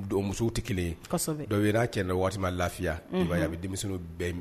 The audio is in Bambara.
Don musow te 1 ye kɔsɛbɛ dɔ be ye n'a cɛ nana wagati min a lafiya unhun i b'a ye a be denmisɛnninw bɛɛ m